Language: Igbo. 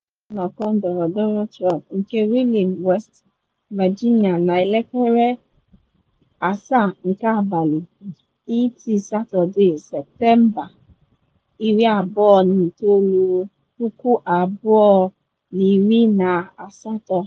Etinyere nnọkọ ndọrọndọrọ Trump nke Wheeling West Virginia na elekere 7 nke abalị. ET, Satọde, Septemba 29, 2018.